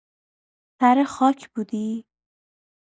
سر خاک بودی؟